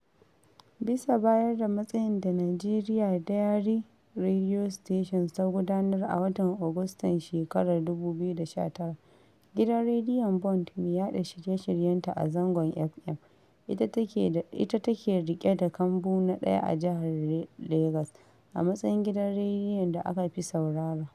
Bisa bayar da matsayin da 'Nigeria Diary Radio Stations ' ta gudanar a watan Agustan shekarar 2019, Gidan Rediyon Bond mai yaɗa shirye-shiryenta a zangon FM ita take riƙe da kambun na 1 a Jihar Lagos, a matsayin gidan rediyon da aka fi saurara.